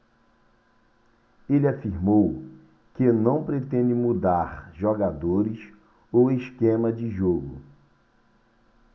ele afirmou que não pretende mudar jogadores ou esquema de jogo